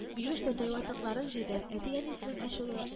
Биюш тәтәй ватыкларын җыйды, әти-әнисенең ачула